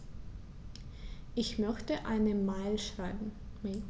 Ich möchte eine Mail schreiben.